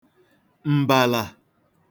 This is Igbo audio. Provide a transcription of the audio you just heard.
m̀bàlà